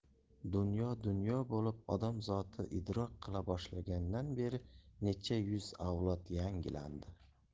dunyo dunyo bo'lib odam zoti idrok qila boshlagandan beri necha yuz avlod yangilandi